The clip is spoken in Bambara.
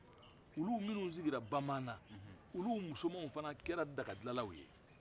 olu minnu sigira bamaanan olu musomaw fana kɛra dagadilannanw ye